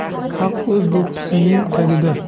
haq o'z do'ppisining tagida